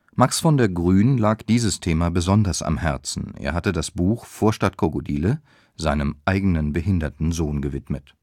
Max von der Grün lag dieses Thema besonders am Herzen, er hatte das Buch Vorstadtkrokodile seinem eigenen behinderten Sohn gewidmet